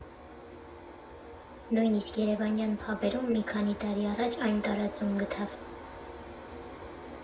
Նույնիսկ Երևանյան փաբերում մի քանի տարի առաջ այն տարածում գտավ։